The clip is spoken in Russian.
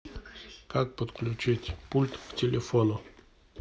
как подключить пульт к телефону